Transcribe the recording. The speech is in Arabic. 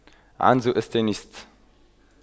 عنز استتيست